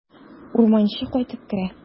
Урманчы кайтып керә.